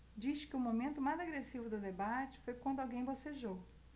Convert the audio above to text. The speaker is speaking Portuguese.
diz que o momento mais agressivo do debate foi quando alguém bocejou